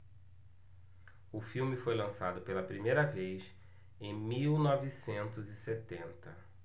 o filme foi lançado pela primeira vez em mil novecentos e setenta